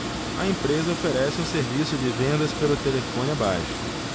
a empresa oferece um serviço de vendas pelo telefone abaixo